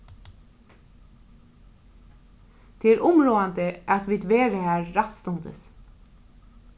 tað er umráðandi at vit vera har rættstundis